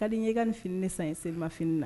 Kadi n ye i ka nin fini de san ye selimafini na